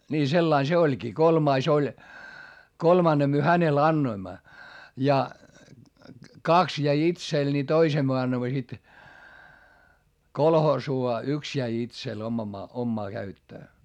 niin sillä lailla se olikin kolmas oli kolmannen me hänelle annoimme ja kaksi jäi itselle niin toisen me annoimme sitten kolhoosiin ja yksi jäi itselle - omaan käyttöön